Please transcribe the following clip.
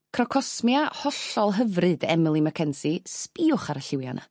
crocosmia hollol hyfryd Emily McKenzie sbïwch ar y lliwia 'na.